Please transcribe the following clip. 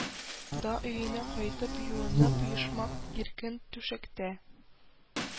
Да өенә кайтып, юынып, йомшак иркен түшәктә